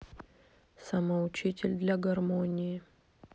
самоучитель для гармони